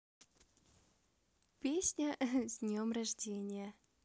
песня с днем рождения